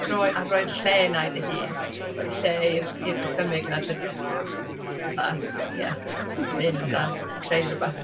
Roi... a rhoi'r lle 'na i dy hun. Rhoi lle i'r dychymyg 'na jyst fatha... ia i fynd a... ia. ...creu rywbeth.